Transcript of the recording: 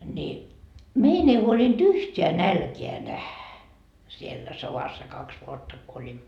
niin meidän ei huolinut yhtään nälkää nähdä siellä sodassa kaksi vuotta kun olimme